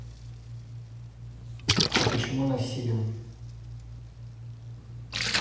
а почему насилие